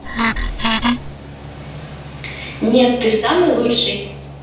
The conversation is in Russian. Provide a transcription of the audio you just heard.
нет ты самый лучший